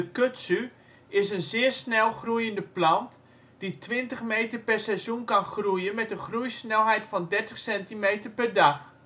kudzu is een zeer snel groeiende plant, die 20 meter per seizoen kan groeien met een groeisnelheid van 30 cm per dag